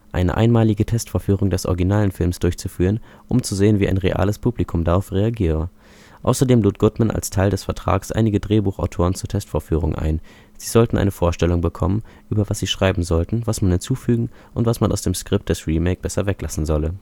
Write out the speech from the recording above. eine einmalige Testvorführung des originalen Films durchzuführen, um zu sehen, wie ein reales Publikum darauf reagiere. Außerdem lud Goodman als Teil des Vertrages einige Drehbuchautoren zur Testvorführung ein; sie sollten eine Vorstellung bekommen, über was sie schreiben sollten, was man hinzufügen und was man aus dem Skript des Remake besser weglassen solle